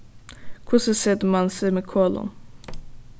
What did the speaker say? hvussu setur mann semikolon